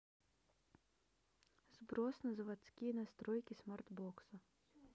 сброс на заводские настройки смарт бокса